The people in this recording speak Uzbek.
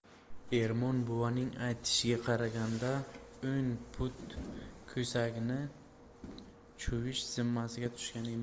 ermon buvaning aytishiga qaraganda o'n pud ko'sakni chuvish zimmamizga tushgan emish